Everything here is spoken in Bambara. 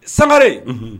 Sabarire